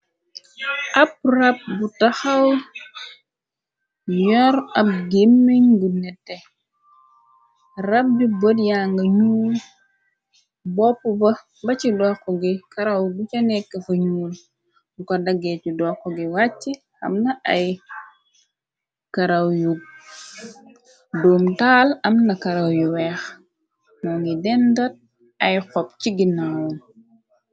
Ab rab bu taxaw yor ab gimengu nette rab yu bër yang ñu bopp ba ba ci dokku gi karaw guca nekk fa nuul bu ko daggeet yi dokk gi wàcc amna ay karaw yu doom taal amna karaw yu weex moo ngi dendat ay xob ci ginnawoom.